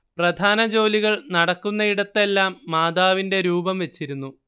പ്രധാന ജോലികൾ നടക്കുന്നയിടത്തെല്ലാം മാതാവിന്റെ രൂപം വച്ചിരുന്നു